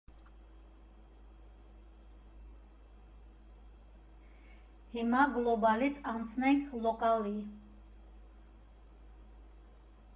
Հիմա գլոբալից անցնենք լոկալի.